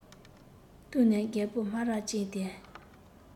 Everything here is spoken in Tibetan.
བསྟུན ནས རྒད པོ སྨ ར ཅན དེས